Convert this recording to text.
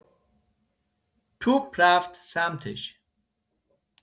توپ رفت سمتش.